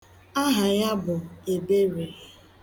Aha ya bụ Ebere.